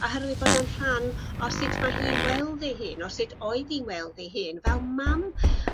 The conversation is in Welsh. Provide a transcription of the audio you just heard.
Oherwydd bod o'n rhan o sut ma' hi'n weld ei hun or sut oedd hi'n weld ei hyn fel mam